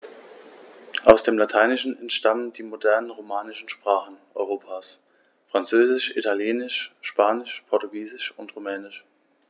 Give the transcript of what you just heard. Aus dem Lateinischen entstanden die modernen „romanischen“ Sprachen Europas: Französisch, Italienisch, Spanisch, Portugiesisch und Rumänisch.